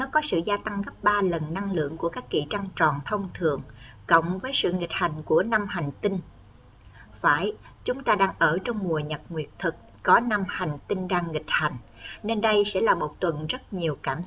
nó có sự gia tăng gấp lần năng lượng của các kỳ trăng tròn thông thường cộng với sự nghịch hành của hành tinh phải chúng ta đang ở trong mùa nguyệt thực có hành tinh đang nghịch hành nên đây sẽ là một tuần rất nhiều cảm xúc